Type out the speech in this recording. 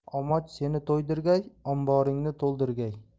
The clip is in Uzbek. omoch seni to'ydirgay omboringni to'ldirgay